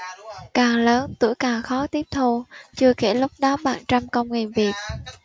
càng lớn tuổi càng khó tiếp thu chưa kể lúc đó bận trăm công nghìn việc